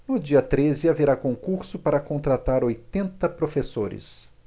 no dia treze haverá concurso para contratar oitenta professores